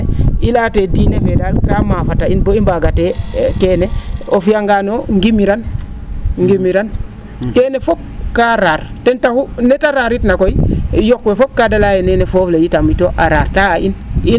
i laya te daal diine fee kaa mafat a in boo i mbaagatee keene o fiyangaan o ngimiran ngimiran keene fop kaa rare ten taxu nee ta rare itna koy yoq we fop kaa da laya yee nene foof le itam a rare ta a in